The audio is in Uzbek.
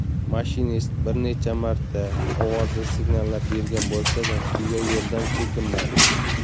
mashinist bir necha marta ovozli signallar bergan bo'lsa da tuya yo'ldan chekinmadi